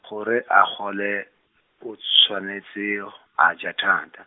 gore a gole, o tshwanetse, a ja thata.